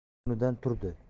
o'rnidan turdi